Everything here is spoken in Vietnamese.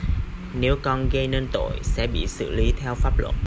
nếu con gây nên tội sẽ bị xử lý theo pháp luật